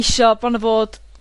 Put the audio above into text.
isio bron a fod,